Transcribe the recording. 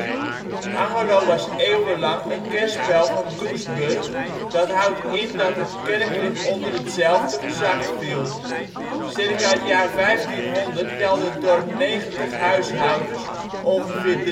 Angerlo was eeuwenlang een kerspel van Doesburg, dat houdt in dat het kerkelijk onder hetzelfde gezag viel. Ca. het jaar 1500 telde het dorp negentig huishoudens (ongeveer